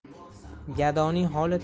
gadoning holi tang